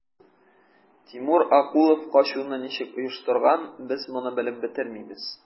Тимур Акулов качуны ничек оештырган, без моны белеп бетермибез.